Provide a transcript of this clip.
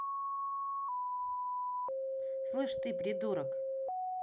слышь ты придурок